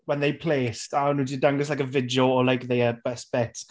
When they placed, a o'n nhw 'di dangos like, a video of their best bits.